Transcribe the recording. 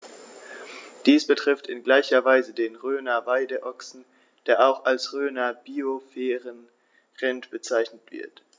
Dies betrifft in gleicher Weise den Rhöner Weideochsen, der auch als Rhöner Biosphärenrind bezeichnet wird.